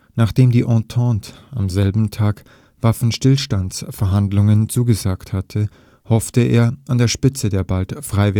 Nachdem die Entente am selben Tag Waffenstillstandsverhandlungen zugesagt hatte, hoffte er, an der Spitze der bald frei